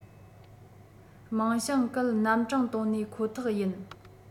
མིང བྱང བཀལ རྣམ གྲངས བཏོན ནས ཁོ ཐག ཡིན